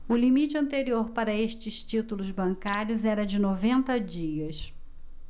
o limite anterior para estes títulos bancários era de noventa dias